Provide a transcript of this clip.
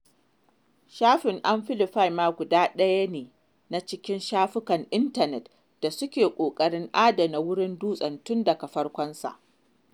Shafin 'Amplify ma' guda daya ne cikin shafukan intanet da suke ƙoƙarin adana wurin dutse tun daga farkonsa.